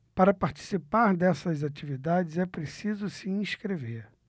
para participar dessas atividades é preciso se inscrever